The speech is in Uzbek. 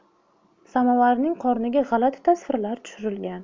samovarning qorniga g'alati tasvirlar tushirilgan